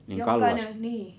niin Kallassa